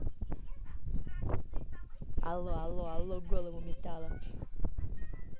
алло алло алло голову метало